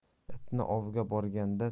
itni ovga borganda